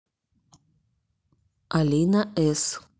алина с